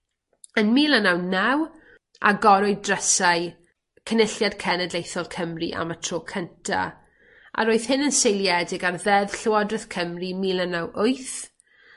Yn mil a naw naw naw naw, agorwyd drysau Cynulliad Cenedlaethol Cymru am y tro cynta a roedd hyn yn seiliedig ar Ddeddf Llywodreth Cymru mil naw naw wyth